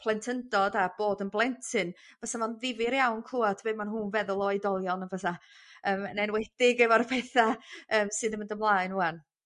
plentyndod a bod yn blentyn bysa fo'n ddifyr iawn clwad be' ma' nhw'n feddwl o oedolion yn' fysa? Yym yn enwedig efo'r phetha yym sydd yn mynd ymlaen 'wan.